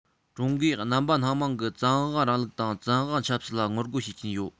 ཀྲུང གོས རྣམ པ སྣ མང གི བཙན དབང རིང ལུགས དང བཙན དབང ཆབ སྲིད ལ ངོ རྒོལ བྱེད ཀྱིན ཡོད